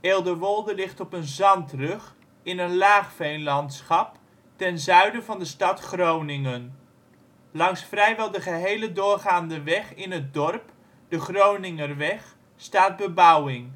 Eelderwolde ligt op een zandrug in een laagveenlandschap ten zuiden van de stad Groningen. Langs vrijwel de gehele doorgaande weg in het dorp (Groningerweg) staat bebouwing